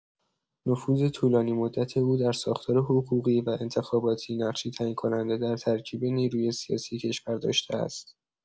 نفوذ طولانی‌مدت او در ساختار حقوقی و انتخاباتی، نقشی تعیین‌کننده در ترکیب نیروی سیاسی کشور داشته است.